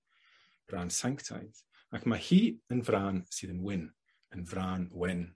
brân sanctaidd, ac ma' hi yn frân sydd yn wyn. Yn frân wyn.